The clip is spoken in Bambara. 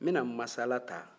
n bɛna masala ta